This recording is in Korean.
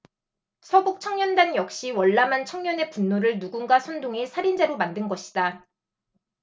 서북청년단 역시 월남한 청년의 분노를 누군가 선동해 살인자로 만든 것이다